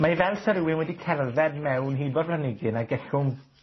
mae e fel 'sa rywun wedi cerdded mewn hibo'r planhigyn a gellwng